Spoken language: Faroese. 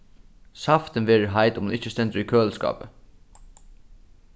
saftin verður heit um hon ikki stendur í køliskápi